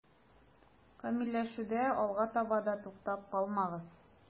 Камилләшүдә алга таба да туктап калмагыз.